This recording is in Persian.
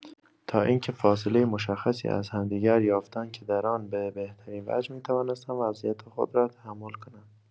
تا اینکه فاصلۀ مشخصی از همدیگر یافتند که در آن به بهترین وجه می‌توانستند وضعیت خود را تحمل کنند.